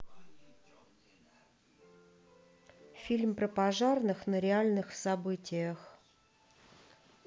фильм про пожарных на реальных событиях